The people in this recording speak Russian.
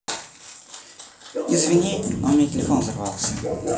извини но у меня телефон взорвался